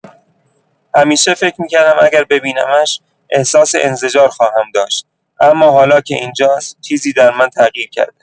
همیشه فکر می‌کردم اگر ببینمش، احساس انزجار خواهم داشت، اما حالا که اینجاست، چیزی در من تغییر کرده.